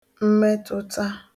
mmetụta